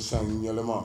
San yɛlɛma